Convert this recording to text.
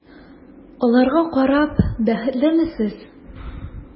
Аларга карап бәхетлеме сез?